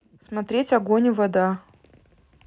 смотреть огонь и вода